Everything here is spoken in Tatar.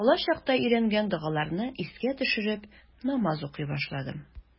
Балачакта өйрәнгән догаларны искә төшереп, намаз укый башладым.